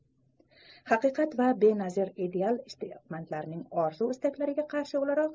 haqiqat va benazir ideal ishtiyoqmandlarining orzu istaklariga qarshi o'laroq